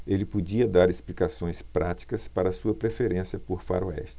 ele podia dar explicações práticas para sua preferência por faroestes